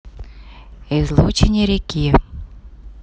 излучине реки